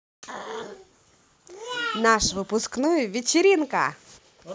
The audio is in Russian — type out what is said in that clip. наш выпускной вечеринка